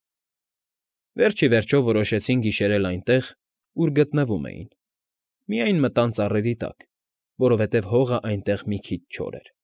Վերջիվերջո որոշեցին գիշերել այնտեղ, ուր գտնվում էին, միայն մտան ծառերի տակ, որովհետև հողն այնտեղ մի քիչ չոր էր։